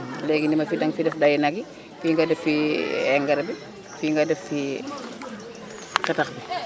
léegi ñu ni ma fii danga fiy def dayu nag yi fii nga def fii engrais bi fii nga def fii xetax bi